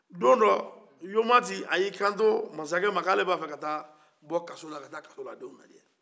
don dɔ yomati a ye a kan tɔ masakɛ ma ko ale bɛ a fɛ ka taa bɔ kaso la ka taa kasoladenw lajɛ